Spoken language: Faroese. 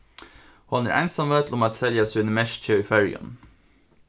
hon er einsamøll um at selja síni merki í føroyum